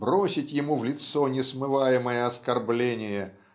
бросить ему в лицо несмываемое оскорбление